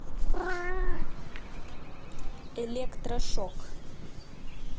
электрошок